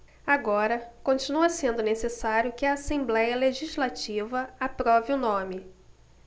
agora continua sendo necessário que a assembléia legislativa aprove o nome